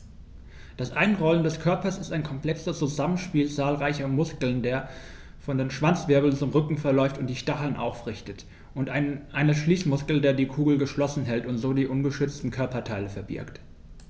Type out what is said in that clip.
Das Einrollen des Körpers ist ein komplexes Zusammenspiel zahlreicher Muskeln, der von den Schwanzwirbeln zum Rücken verläuft und die Stacheln aufrichtet, und eines Schließmuskels, der die Kugel geschlossen hält und so die ungeschützten Körperteile verbirgt.